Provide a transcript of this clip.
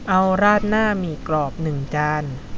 เอาราดหน้าหมี่กรอบหนึ่งจาน